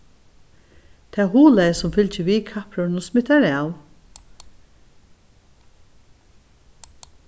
tað huglagið sum fylgir við kappróðrinum smittar av